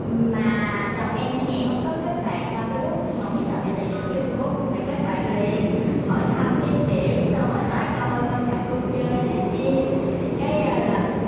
mà chồng em với mẹ không có kết bạn phây búc nhưng mà hổng biết sao mẹ tìm được cái phây búc mẹ kết bạn liền hỏi thăm các kiểu xong rồi nói con ơi qua nhà cô chơi này kia cái là